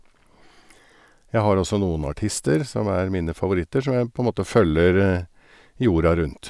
Jeg har også noen artister som er mine favoritter som jeg på en måte følger jorda rundt.